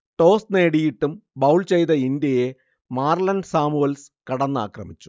toss നേടിയിട്ടും bowl ചെയ്ത ഇന്ത്യയെ മാർലൺ സാമുവൽസ് കടന്നാക്രമിച്ചു